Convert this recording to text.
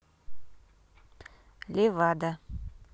левада